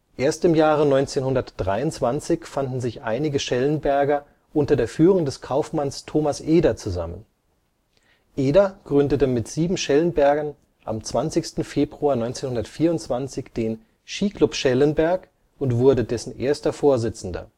Erst im Jahre 1923 fanden sich einige Schellenberger unter der Führung des Kaufmanns Thomas Eder zusammen. Eder gründete mit sieben Schellenbergern am 20. Februar 1924 den Skiclub Schellenberg und wurde dessen erster Vorsitzender